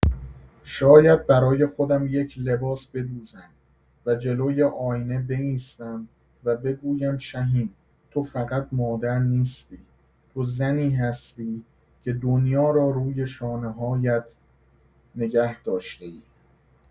شاید برای خودم یک لباس بدوزم و جلوی آینه بایستم و بگویم شهین تو فقط مادر نیستی، تو زنی هستی که دنیا را روی شانه‌هایت نگه داشته‌ای.